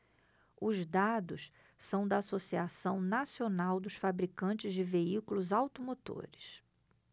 os dados são da anfavea associação nacional dos fabricantes de veículos automotores